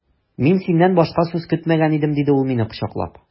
Мин синнән башка сүз көтмәгән идем, диде ул мине кочаклап.